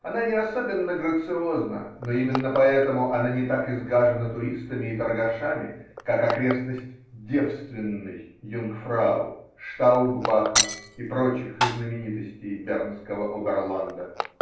Она не особенно грациозна, но именно поэтому она не так изгажена туристами и торгашами, как окрестность "девственной" Юнгфрау, Штауббаха и прочих знаменитостей бернского Оберланда.